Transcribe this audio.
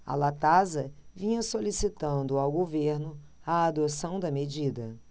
a latasa vinha solicitando ao governo a adoção da medida